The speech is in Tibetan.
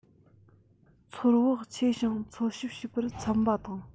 ཚོར བག ཆེ ཞིང འཚོལ ཞིབ བྱེད པར འཚམ པ དང